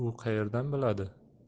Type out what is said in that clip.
u qayerdan biladi